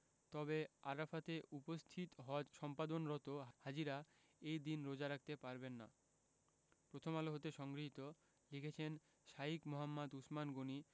তবে আরাফাতে উপস্থিত হজ সম্পাদনরত হাজিরা এই দিন রোজা রাখতে পারবেন না প্রথমআলো হতে সংগৃহীত লিখেছেন শাঈখ মুহাম্মদ উছমান গনী